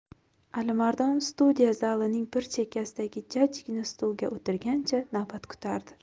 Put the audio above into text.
alimardon studiya zalining bir chekkasidagi jajjigina stulga o'tirgancha navbat kutardi